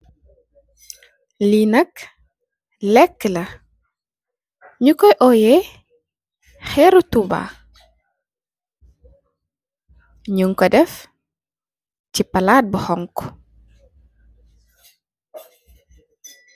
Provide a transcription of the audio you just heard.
Li nak lèk la ñiñ Koy óyeh xeeru tuba, ñiñ ko def ci palat bu xonxu.